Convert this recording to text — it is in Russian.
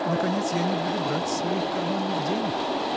Наконец, я не буду брать своих карманных денег.